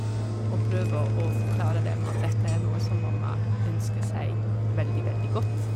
Og prøve å forklare dem at dette er noe som mamma ønsker seg veldig, veldig godt.